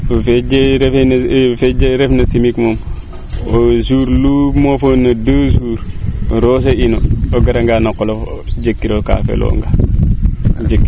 fee je refna chimique moom jour lu mofoona deux jour to roose ino bo o gara nga no qolof jeg ka tiro kaa feloonga